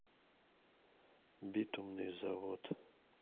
битумный завод